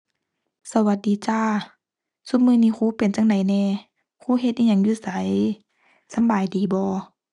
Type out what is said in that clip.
สวัสดีจ้า ซุมื้อนี้ครูเป็นจั่งใดแหน่ ครูเฮ็ดอิหยังอยู่ไส สำบายดีบ่